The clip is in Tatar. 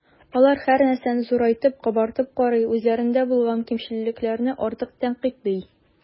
Алар һәрнәрсәне зурайтып, “кабартып” карый, үзләрендә булган кимчелекләрне артык тәнкыйтьли.